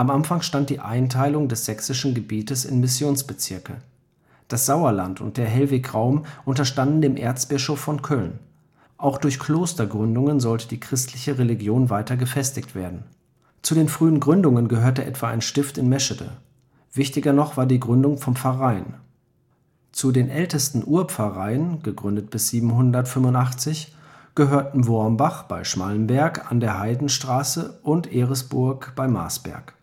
Anfang stand die Einteilung des sächsischen Gebiets in Missionsbezirke. Das Sauerland und der Hellwegraum unterstanden dem Erzbischof von Köln. Auch durch Klostergründungen sollte die christliche Religion weiter gefestigt werden. Zu den frühen Gründungen gehörte etwa ein Stift in Meschede. Wichtiger noch war die Gründung von Pfarreien. Zu den ältesten Urpfarreien (gegründet bis 785) gehören Wormbach (bei Schmallenberg) an der Heidenstraße und Eresburg (Marsberg